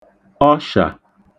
ọshà